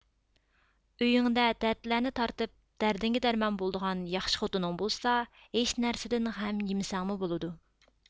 ئۆيۈڭدە دەردلەرنى تارتىپ دەردىڭگە دەرمان بولىدىغان ياخشى خوتۇنۇڭ بولسا ھېچ نەرسىدىن غەم يېمىسەڭمۇ بولىدۇ